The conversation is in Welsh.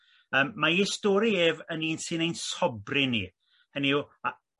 yym ma' ei stori ef yn un sy'n ein sobri ni hynny os yw a-